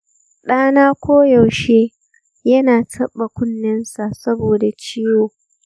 ɗana koyaushe yana taɓa kunnensa saboda ciwo.